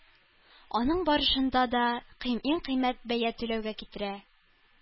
Аның барышында да иң кыйммәт бәя түләүгә китерә.